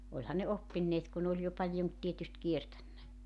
olihan ne oppineet kun ne oli jo paljon tietysti kiertänyt